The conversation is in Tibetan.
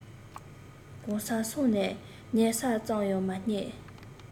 གང སར སོང ནས ཉལ ས བཙལ ཡང མ རྙེད